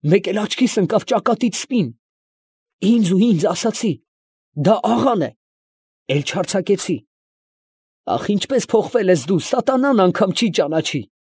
Մեկ էլ աչքիս ընկավ ճակատիդ սպին. ինձ ու ինձ ասացի, դա աղան է, էլ չարձակեցի… Ա՜խ, ինչպե՜ս փոխվել ես դու, սատանան չի ճանաչի։